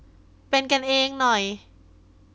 เป็นกันเองหน่อย